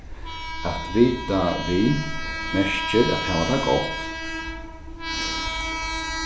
at vita við merkir at hava tað gott